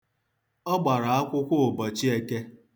Ọ gbara akwụkwọ ụbọchị Eke.